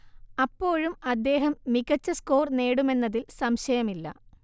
അപ്പോഴും അദ്ദേഹം മികച്ച സ്കോർ നേടുമെന്നതിൽ സംശയമില്ല